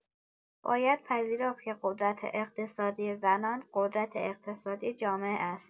باید پذیرفت که قدرت اقتصادی زنان، قدرت اقتصادی جامعه است.